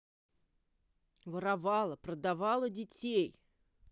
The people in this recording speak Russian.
воровала продавала детей